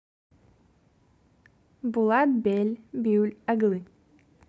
булат бель бюль оглы